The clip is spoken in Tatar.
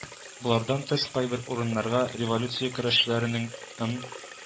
Болардан тыш кайбер урыннарга революция көрәшчеләренең эН